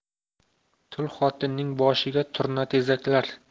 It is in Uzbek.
tul xotinning boshiga turna tezaklar